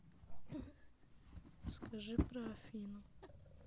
скажи про афину